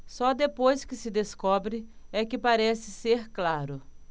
só depois que se descobre é que parece ser claro